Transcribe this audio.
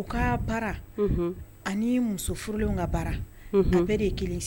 U ka baara ani musof furulen ka bara a bɛɛ de ye kelen